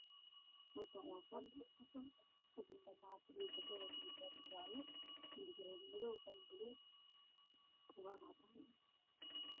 Halkaan waa fasal waxaa fadhiyo gabdho wato xijaab jaale ah iyo indho shareer madow, qalin buluug ah, buugaag cadaan ah.